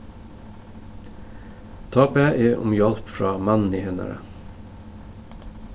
tá bað eg um hjálp frá manni hennara